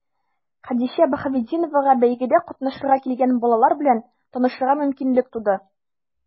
Хәдичә Баһаветдиновага бәйгедә катнашырга килгән балалар белән танышырга мөмкинлек туды.